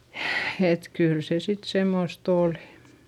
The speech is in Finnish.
että kyllä se sitten semmoista oli